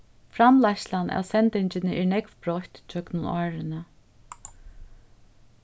framleiðslan av sendingini er nógv broytt gjøgnum árini